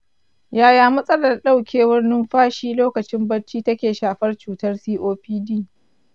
yaya matsalar ɗaukewar numfashi lokacin barci take shafar cutar copd?